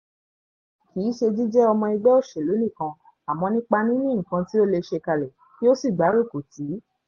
Kìí ṣe jíjẹ́ ọmọ ẹgbẹ́ òṣèlú nìkan, àmọ́ nípa níní nǹkan tí ó lè ṣe kalẹ̀, kí ó sì gbárùkù tì í.